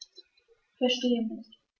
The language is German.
Verstehe nicht.